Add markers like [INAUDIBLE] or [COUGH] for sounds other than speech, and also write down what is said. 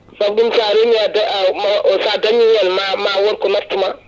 saabu ɗum sa reemi [HESITATION] sa dañi hen ma ma woon ko naftuma